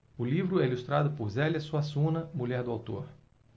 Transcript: o livro é ilustrado por zélia suassuna mulher do autor